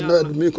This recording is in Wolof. dégg nga